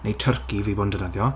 Neu twrci fi 'di bod yn defnyddio.